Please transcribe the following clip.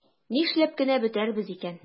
Нишләп кенә бетәрбез икән?